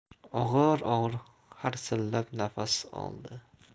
og'ir og'ir harsillab nafas oldi